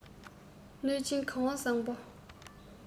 གནོད སྦྱིན གང བ བཟང པོ